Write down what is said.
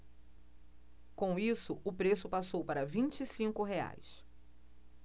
com isso o preço passou para vinte e cinco reais